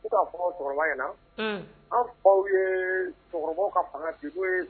U ka fɔ ɲɛna an fa ye cɛkɔrɔbaw ka fanga ye